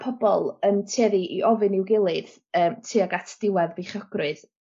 pobol yn tueddu i ofyn i'w gilydd yym tuag at diwedd beichiogrwydd